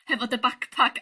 Hefo dy back pack...